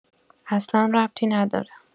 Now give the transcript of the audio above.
اصلا ربطی نداره.